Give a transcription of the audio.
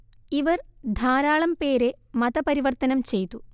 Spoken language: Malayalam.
ഇവര്‍ ധാരാളം പേരെ മത പരിവര്‍ത്തനം ചെയ്തു